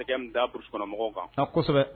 A dauru kɔnɔkɔnɔmɔgɔw kan kosɛbɛ